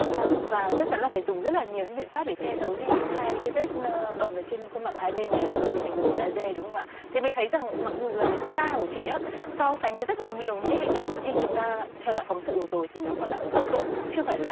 vâng và chắc chắn là phải dùng rất là những biện pháp để che giấu đi hai cái vết bầm trên khuôn mặt ở hai bên này lúc mà bị ảnh hưởng bởi la de đúng không ạ thế mới thấy rằng mặc dù rằng ca của chị á so sánh với rất là nhiều những cái hình ảnh khi chúng ta theo dõi phóng sự vừa rồi thì nó còn ở mức độ chưa phải là